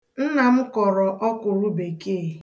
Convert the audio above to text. Nna m kọrọ ọkwụrụbekee